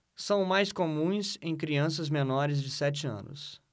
são mais comuns em crianças menores de sete anos